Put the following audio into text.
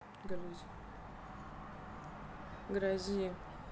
грози